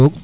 roog